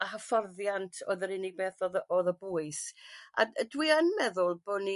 a hyfforddiant odd yr unig beth odd a- odd o bwys a d- dwi yn meddwl bo' ni